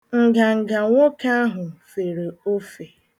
Nganga nwoke ahụ fere ofe.